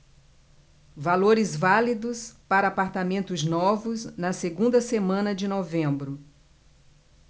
valores válidos para apartamentos novos na segunda semana de novembro